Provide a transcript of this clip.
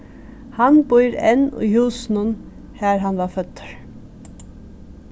hann býr enn í húsunum har hann varð føddur